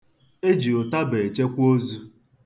E ji ụtaba echekwa ozu.